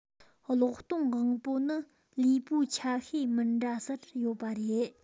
གློག གཏོང དབང པོ ནི ལུས པོའི ཆ ཤས མི འདྲ སར ཡོད པ རེད